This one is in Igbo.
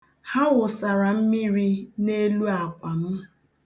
Ha wụsara mmiri n'elu akwa m.